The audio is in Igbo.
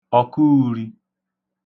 ọkuūrī